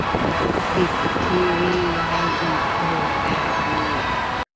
ปิดทีวีในอีกหนึ่งนาที